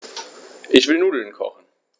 Ich will Nudeln kochen.